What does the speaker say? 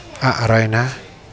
อะไรนะ